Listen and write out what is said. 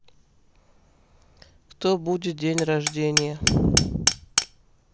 кто будет день рождения